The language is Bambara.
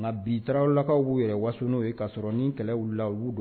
Nka bi taraweleraw lakaw yɛrɛ wasow ye kaa sɔrɔ nin kɛlɛ la u don